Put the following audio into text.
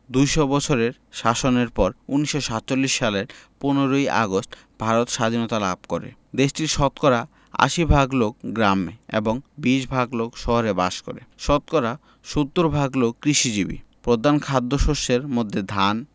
দু'শ বছরের শাসনের পর ১৯৪৭ সালের ১৫ ই আগস্ট ভারত সাধীনতা লাভ করেদেশটির শতকরা ৮০ ভাগ লোক গ্রামে এবং ২০ ভাগ লোক শহরে বাস করে শতকরা ৭০ ভাগ লোক কৃষিজীবী প্রধান খাদ্যশস্যের মধ্যে ধান